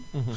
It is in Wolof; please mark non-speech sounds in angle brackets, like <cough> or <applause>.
<hesitation> <hesitation>